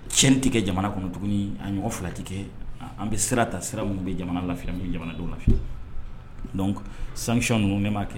Tiɲɛni kɛ jamana kɔnɔ tuguni an ɲɔgɔn fila tɛ kɛ an bɛ sira ta sira min bɛ jamana lafiya min bɛ jamanadenw lafiya, donc, sanction ninnu ne m'a kɛ